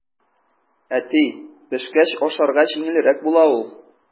Әти, пешкәч ашарга җиңелрәк була ул.